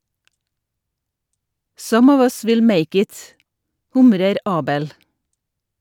- «Some of us will make it», humrer Abel.